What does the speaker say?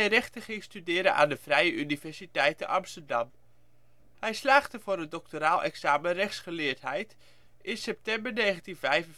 rechten ging studeren aan de Vrije Universiteit te Amsterdam. Hij slaagde voor het doctoraal examen rechtsgeleerdheid in september 1945. Van